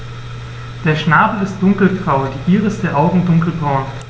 Der Schnabel ist dunkelgrau, die Iris der Augen dunkelbraun.